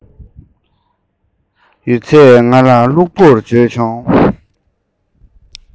ཡོད ཚད ང ལ ལྷུག པོར བརྗོད བྱུང